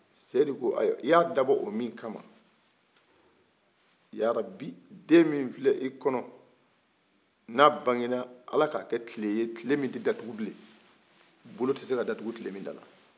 seyidu ko ayiwa i y'a dabɔ o min kama yarabi den min filɛ i kɔnɔ n'a bagenna ala k'a kɛ tile tile min tɛ datugu bilen bolo tɛ se ka dagutu tile min dara